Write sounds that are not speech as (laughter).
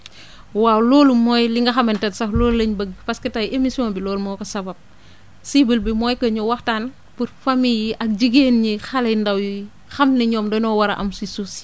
(breath) waaw loolu mooy li nga xamante ne sax loolu la ñu bëgg parce que tey émission bi loolu moo ko sabab (breath) cible bi mooy que ñu waxtaan pour :fa famille yi ak jigéen ñi xale yu ndaw yi xam ni ñoom dañoo war a am si suuf si